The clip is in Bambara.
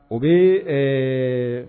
O bɛ ɛɛ